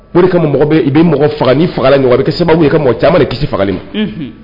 O de kama mɔgɔ be i be mɔgɔ faga n'i fagal'a ɲɔgɔn ye a be kɛ sababu ye i ka mɔgɔ caaman de kisi fagali ma unhun